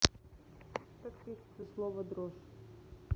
как пишется слово дрожь